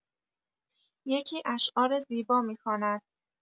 یکی اشعار زیبا می‌خواند.